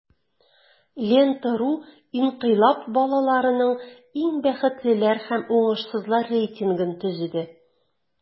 "лента.ру" инкыйлаб балаларының иң бәхетлеләр һәм уңышсызлар рейтингын төзеде.